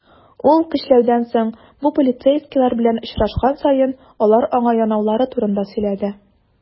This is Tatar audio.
Ул, көчләүдән соң, бу полицейскийлар белән очрашкан саен, алар аңа янаулары турында сөйләде.